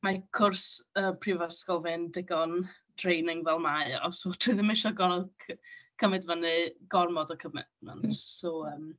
Mae cwrs yy prifysgol fi'n digon draining fel mae o, so dwi ddim isio gorod c- cymryd fyny gormod o commitments. So, yym...